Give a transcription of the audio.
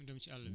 dem ci àll bi